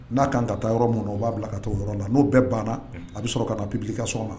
N'a ka kan ka taa yɔrɔ min o b'a bila ka taa yɔrɔ la n'o bɛɛ banna a bɛ sɔrɔ ka na publication na.